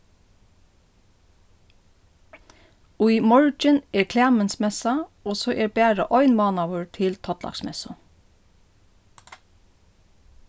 í morgin er klæmintsmessa og so er bara ein mánaður til tollaksmessu